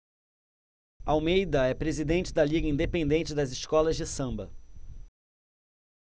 almeida é presidente da liga independente das escolas de samba